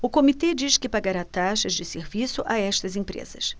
o comitê diz que pagará taxas de serviço a estas empresas